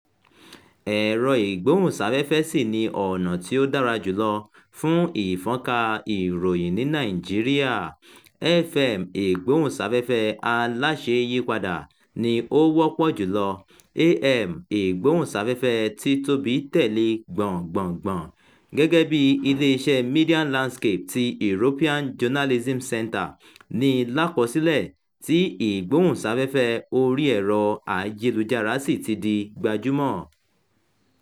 Ẹ̀rọ-ìgbóhùnsáfẹ́fẹ́ ṣì ni ọ̀nà tí ó dára jù lọ fún ìfọ́nká ìròyìn ní Nàìjíríà. FM (Ìgbóhùnsáfẹ́fẹ́ Aláṣeéyípadà) ni ó wọ́pọ̀ jù lọ, AM (Ìgbóhùnsáfẹ́fẹ́ Títóbi) tẹ̀lé e gbọ̀ngbọ̀ngbọn, gẹ́gẹ́ bí iléeṣẹ́ Media Landscape ti European Journalism Centre ní i lákọsílẹ̀ — tí ìgbóhùnsáfẹ́fẹ́ orí ẹ̀rọ ayélujára sì ti di gbajúmọ̀.